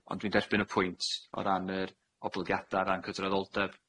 Ond dwi'n derbyn y pwynt o ran yr oblygiada o ran cydraddoldeb,